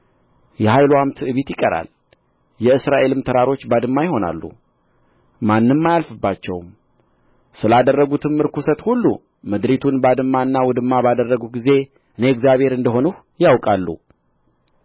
የኃይልዋም ትዕቢት ይቀራል የእስራኤልም ተራሮች ባድማ ይሆናሉ ማንም አያልፍባቸውም ስላደረጉትም ርኵሰት ሁሉ ምድሪቱን ባድማና ውድማ ባደርግሁ ጊዜ እኔ እግዚአብሔር እንደ ሆንሁ ያውቃሉ